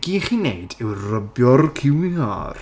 Gyd chi'n wneud yw rwbio'r cyw iar.